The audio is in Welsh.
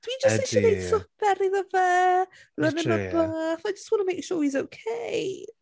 Dwi jyst isio... ydi ...gwneud swper iddo fe. Run him a bath... literally ...I just want to make sure he's okay.